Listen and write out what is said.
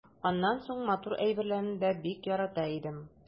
Аннан соң матур әйберләрне дә бик ярата идем.